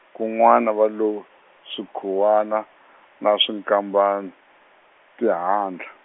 kun'wana va lo, swikhuwana, na swikambana, tlhandla.